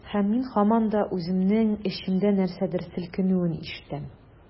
Һәм мин һаман да үземнең эчемдә нәрсәдер селкенүен ишетәм.